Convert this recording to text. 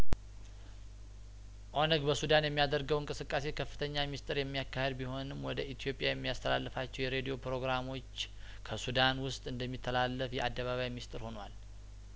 ኦነግ በሱዳን የሚያደርገው እንቅስቃሴ በከፍተኛ ሚስጥር የሚያካሂድ ቢሆንም ወደ ኢትዮጵያ የሚያስተላልፋቸው የሬዲዮ ፕሮግራሞች ከሱዳን ውስጥ እንደሚያስተላልፍ የአደባባይ ሚስጢር ሆኗል